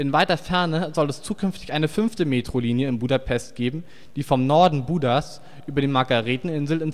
weiter Ferne soll es zukünftig eine fünfte Metrolinie in Budapest geben, die vom Norden Budas über die Margareteninsel